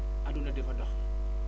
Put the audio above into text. aduuna dafa dox